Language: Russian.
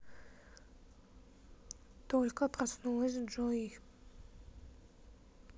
только проснулась джой